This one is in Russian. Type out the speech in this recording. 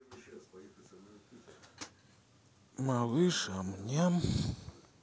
малыш ам ням